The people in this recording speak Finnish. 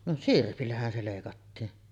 no sirpillähän se leikattiin